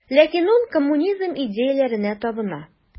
Ләкин ул коммунизм идеяләренә табына.